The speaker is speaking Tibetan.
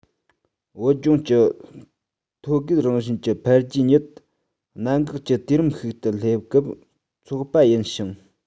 བོད ལྗོངས ཀྱི ཐོད བརྒལ རང བཞིན གྱི འཕེལ རྒྱས ཉིད གནད འགག གི དུས རིམ ཞིག ཏུ སླེབས སྐབས ཚོགས པ ཡིན ཞིང